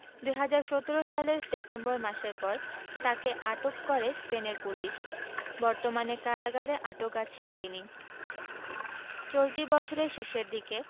২০১৭ সালের সেপ্টেম্বর মাসের পর তাকে আটক করে স্পেনের পুলিশ বর্তমানে কারাগারে আটক আছেন তিনি চলতি বছরের শেষের দিকে